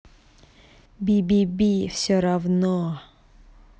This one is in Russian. биби биби все равно